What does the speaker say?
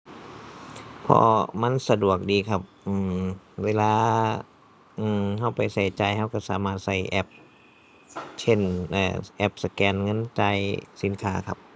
เพราะมันสะดวกดีครับ อืม เวลา อือ เราไปเราจ่ายเราเราสามารถเราแอป เช่น อ่า แอปสแกนเงินจ่ายสินค้าครับ